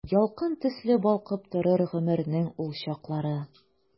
Ялкын төсле балкып торыр гомернең ул чаклары.